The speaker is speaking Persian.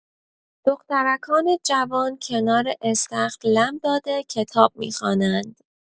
و دخترکان جوان کنار استخر لم‌داده، کتاب می‌خوانند.